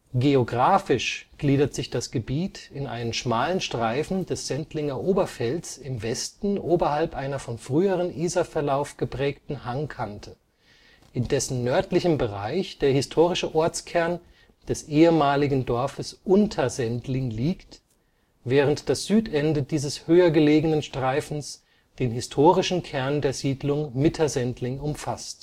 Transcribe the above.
Geographisch gliedert sich das Gebiet in einen schmalen Streifen des Sendlinger Oberfelds im Westen oberhalb einer vom früheren Isarverlauf geprägten Hangkante, in dessen nördlichem Bereich der historische Ortskern des ehemaligen Dorfes Untersendling liegt, während das Südende dieses höher gelegenen Streifens den historischen Kern der Siedlung Mittersendling umfasst